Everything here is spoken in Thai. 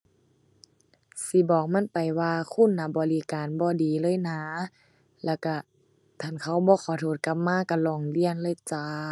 สิบอกมันไปว่า คุณน่ะบริการบ่ดีเลยนะ แล้วก็คันเขาบ่ขอโทษกลับมา ก็ร้องเรียนเลยจ้า